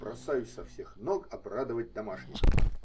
Бросаюсь со всех ног -- обрадовать домашних.